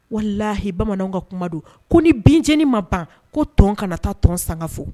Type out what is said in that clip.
Wala lahi bamanan ka kuma don ko ni binceniinin ma ban ko tɔn kana taa tɔn sankafo